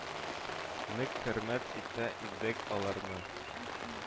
Нык хөрмәт итә идек аларны